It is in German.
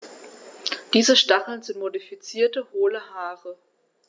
Diese Stacheln sind modifizierte, hohle Haare.